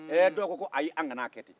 dɔw ko ee ayi an ka n'a kɛ ten